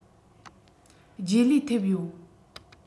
རྗེས ལུས ཐེབས ཡོད